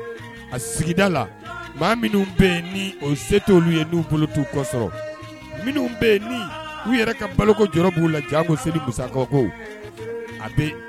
A sigida la maa minnu bɛ yen ni se tɛ olu ye n'u bolo t'u kɔ sɔrɔ, minnu bɛ yen u yɛrɛ ka baloko jɔrɔ b'u la janko seli musaga kow.